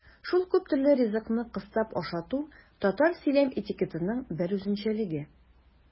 Шул күптөрле ризыкны кыстап ашату татар сөйләм этикетының бер үзенчәлеге.